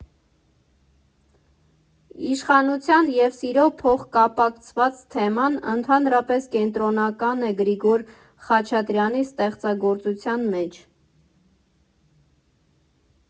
Իշխանության և սիրո փոխկապակցված թեման ընդհանրապես կենտրոնական է Գրիգոր Խաչատրյանի ստեղծագործության մեջ։